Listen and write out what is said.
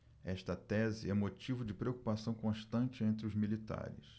esta tese é motivo de preocupação constante entre os militares